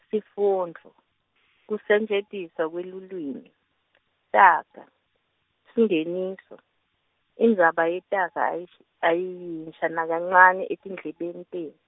sifundvo, kusetjentiswa kwelulwimi, taga, singeniso, indzaba yetaga ayisi- ayiyinsha nakancane etindlebeni ten-.